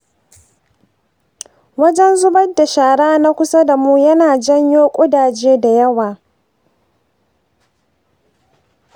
wajen zubar da shara na kusa da mu yana janyo ƙudaje dayawa.